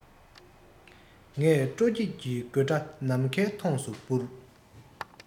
ངས སྤྲོ སྐྱིད ཀྱི དགོད སྒྲ ནམ མཁའི མཐོངས སུ སྤུར